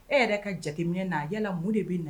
E yɛrɛ ka jate minɛn na, yala mun de bɛ na?